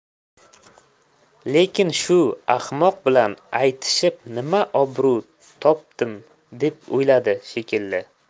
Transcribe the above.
lekin shu ahmoq bilan aytishib nima obro' topdim deb o'yladi shekilli